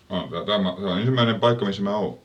minä olen tätä tämä on ensimmäinen paikka missä minä olen